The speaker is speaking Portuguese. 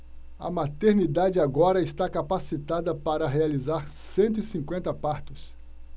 a maternidade agora está capacitada para realizar cento e cinquenta partos